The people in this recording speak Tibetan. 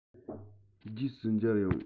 རྗེས སུ མཇལ ཡོང